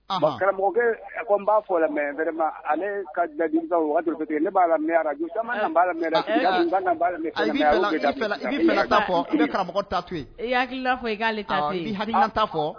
Anhan bon karamɔgɔkɛ ɛ ko n b'a fola mais vraiment ale ka ladilikanw ne b'a lamɛ radio caman na n b'a lamɛ i be karamɔgɔ ta to ye i hakilina fɔ i k'ale ta to ye awɔ i b'i hakilinanta fɔɔ